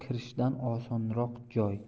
kirishdan osonroq joy